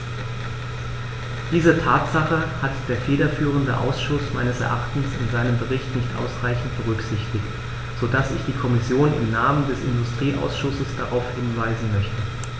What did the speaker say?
Diese Tatsache hat der federführende Ausschuss meines Erachtens in seinem Bericht nicht ausreichend berücksichtigt, so dass ich die Kommission im Namen des Industrieausschusses darauf hinweisen möchte.